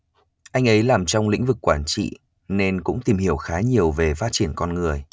anh ấy làm trong lĩnh vực quản trị nên cũng tìm hiểu khá nhiều về phát triển con người